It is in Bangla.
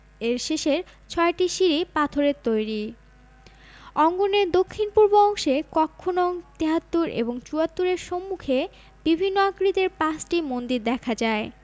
এর শেষের ছয়টি সিঁড়ি পাথরের তৈরি অঙ্গনের দক্ষিণ পূর্ব অংশে কক্ষ নং ৭৩ এবং ৭৪ এর সম্মুখে বিভিন্ন আকৃতির ৫টি মন্দির দেখা যায়